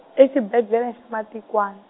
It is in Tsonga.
exibedlele xa Matikwani.